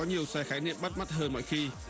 nhiều xe khái niệm bắt mắt hơn mọi khi